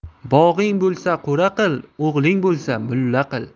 bog'ing bo'lsa qo'ra qil o'g'ling bo'lsa mulla qil